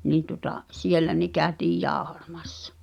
niin tuota siellä ne käytiin - jauhamassa